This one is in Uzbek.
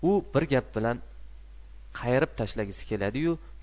u bir gap bilan qayirib tashlagisi keladi yu